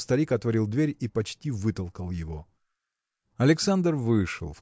но старик отворил дверь и почти вытолкал его. Александр вышел